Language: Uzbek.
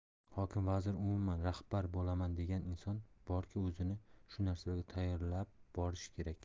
hokim vazir umuman rahbar bo'laman degan inson borki o'zini shu narsalarga tayyorlab borishi kerak